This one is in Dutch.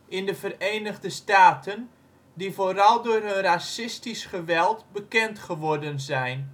in de Verenigde Staten die vooral door hun racistisch geweld bekend geworden zijn